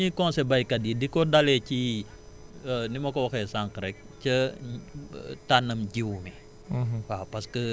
voilà li ñuy conseiller béykat yi di ko dalee ci ni ma ko waxee sànq rek ca tànnam jiw bi